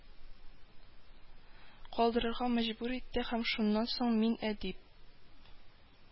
Калдырырга мәҗбүр итте, һәм шуннан соң мин әдип